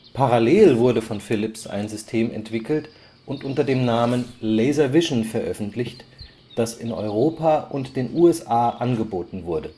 Parallel wurde von Philips ein System entwickelt und unter dem Namen LaserVision veröffentlicht, das in Europa und den USA angeboten wurde